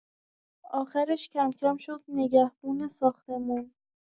آخرش کم‌کم شد نگهبون ساختمون.